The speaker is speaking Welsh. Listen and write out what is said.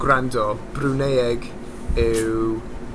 gwrando Brwneueg yw